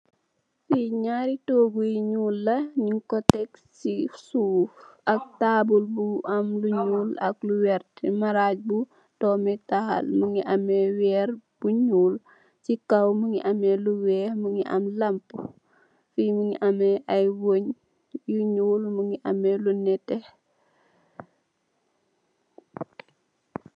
Fii ñarri toogu yu ñuul ñung ko tek si suuf, ak taabul bu am lu ñuul ak lu werta, si maraaj bu döömi taal, mu ngi amee weer bu ñuul, si kow mu ngi amee lu weex, am lampu, fii mu ngi amee, yu ñuul, lu nétté,